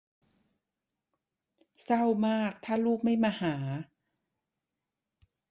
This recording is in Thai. เศร้ามากถ้าลูกไม่มาหา